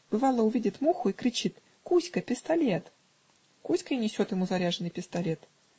Бывало, увидит муху и кричит: "Кузька, пистолет!" Кузька и несет ему заряженный пистолет.